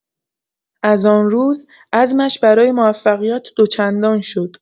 از آن روز، عزمش برای موفقیت دوچندان شد.